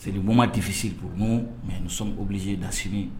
Selibonma difisiri u n mɛ sɔn obilise da sini